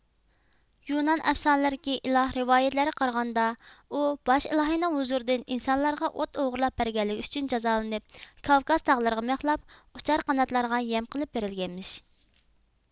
يۇنان ئەپسانىلىرىدىكى ئىلاھ رىۋايەتلەرگە قارىغاندا ئۇ باش ئىلاھىنىڭ ھۇزۇرىدىن ئىنسانلارغا ئوت ئوغىرلاپ بەرگەنلىكى ئۈچۈن جازالىنىپ كافكاز تاغلىرىغا مىخلاپ ئۇچار قاناتلارغا يەم قىلىپ بېرىلگەنمىش